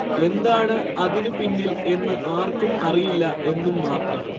എന്താണ് അതിന് പിന്നിൽ എന്ന് ആർക്കും അറിയില്ല എന്നും മാത്രം